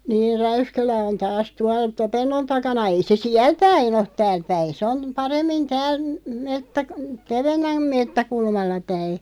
niin Räyskälä on taas tuolla Topennon takana ei se siellä päin ole täällä päin se on paremmin täällä - Tevennän metsäkulmalla päin